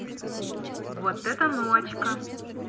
вот это ночка